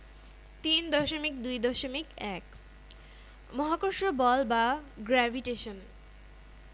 সেখানে কিন্তু পরস্পরের অণু পরমাণু তাদের ঘিরে ঘূর্ণায়মান ইলেকট্রন সরাসরি স্পর্শ দিয়ে নয় তাদের তড়িৎ চৌম্বক বল দিয়ে একে অন্যের সাথে কাজ করছে